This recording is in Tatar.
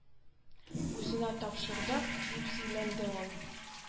Үзенә тапшырдык дип сөйләнде ул